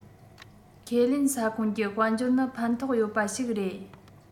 ཁས ལེན ས ཁོངས ཀྱི དཔལ འབྱོར ནི ཕན ཐོགས ཡོད པ ཞིག རེད